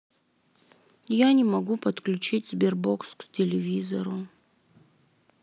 я не могу подключить sberbox к телевизору